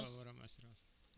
woo borom assurance